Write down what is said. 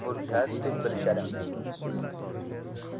murtad deb bilishadi